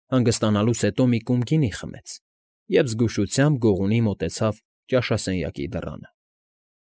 Հանգստանալուց հետո մի կում գինի խմեց և զգուշությամբ գողունի մոտեցավ ճաշասենյակի դռանը։